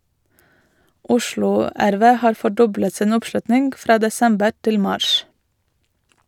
Oslo RV har fordoblet sin oppslutning fra desember til mars.